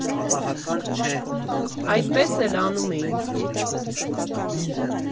Այդպես էլ անում էին։